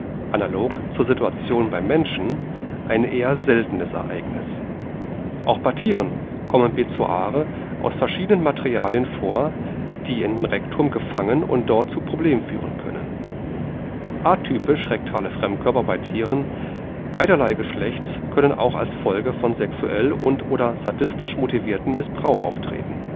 analog zur Situation beim Menschen – ein eher seltenes Ereignis. Auch bei Tieren kommen Bezoare aus verschiedenen Materialien vor, die ins Rektum gelangen und dort zu Problemen führen können. Atypische rektale Fremdkörper bei Tieren beiderlei Geschlechts können auch als Folge von sexuell und/oder sadistisch motiviertem Missbrauch auftreten